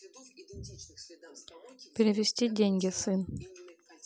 перевести деньги сын